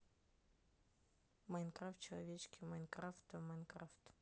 майнкрафт человечки из майнкрафта майнкрафт